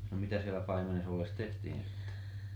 no mitä siellä paimenessa ollessa tehtiin sitten